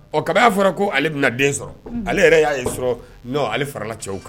Ɔ kaba y'a fɔra ko ale bɛna den sɔrɔ ale yɛrɛ y'a ye sɔrɔ ale fara ka cɛw kan